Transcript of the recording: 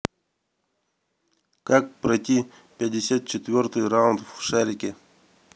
как пройти пятьдесят четвертый раунд в шарике